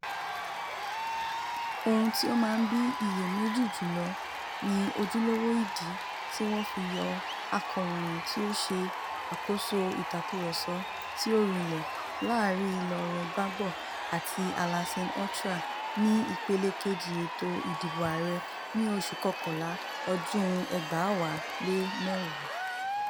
Ohun tí ó máa ń bí iyèméjì jùlọ ni ojúlówó ìdí tí wọ́n fi yọ akọ̀ròyìn tí ó ṣe àkóso ìtakùrọsọ tí ó rìnlẹ̀ láàárín Laurent Gbagbo àti Alassane Ouattara ni ìpele kejì ètò ìdìbò ààrẹ ní oṣù kọkànlá ọdún 2010.